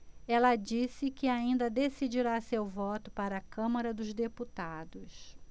ela disse que ainda decidirá seu voto para a câmara dos deputados